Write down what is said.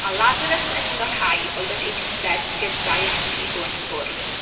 A Lazarus yn un o'r rhai oedd yn eistedd gyda Iesu wrth y bwrdd.